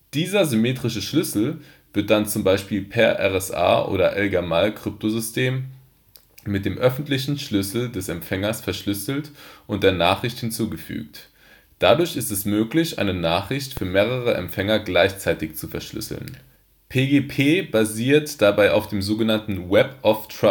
Dieser symmetrische Schlüssel wird dann z. B. per RSA - oder Elgamal-Kryptosystem mit dem öffentlichen Schlüssel des Empfängers verschlüsselt und der Nachricht hinzugefügt. Dadurch ist es möglich, eine Nachricht für mehrere Empfänger gleichzeitig zu verschlüsseln. Eine für mehrere Empfänger verschlüsselte Nachricht sieht dann folgendermaßen aus: asymmetrisch für Empfänger 1 verschlüsselter Schlüssel der Nachricht ⋮{\ displaystyle \ vdots} asymmetrisch für Empfänger n verschlüsselter Schlüssel der Nachricht symmetrisch verschlüsselte Nachricht PGP basiert dabei auf dem sogenannten Web of